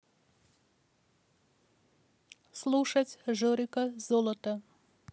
слушать жорика золото